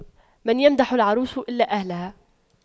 من يمدح العروس إلا أهلها